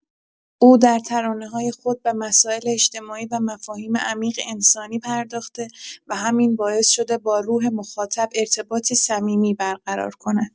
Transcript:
او در ترانه‌های خود به مسائل اجتماعی و مفاهیم عمیق انسانی پرداخته و همین باعث شده با روح مخاطب ارتباطی صمیمی برقرار کند.